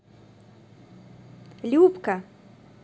любка